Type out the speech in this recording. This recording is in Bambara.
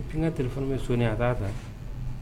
et puis n ka telephone bɛ sonné a t'a ta!